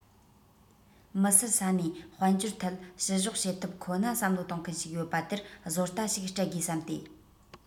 མི སེར ས ནས དཔལ འབྱོར ཐད བཤུ གཞོག བྱེད ཐབས ཁོ ན བསམ བློ གཏོང མཁན ཞིག ཡོད པ དེར བཟོ ལྟ ཞིག སྤྲད དགོས བསམས ཏེ